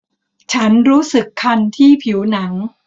ฉันรู้สึกคันที่ผิวหนัง